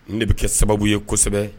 De bɛ kɛ sababu ye kosɛbɛ